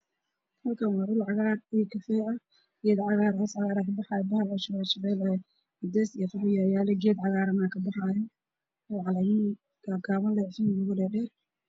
Halkaan waa dhul cagaar ah waxa ka baxaaya Geed cagaar ah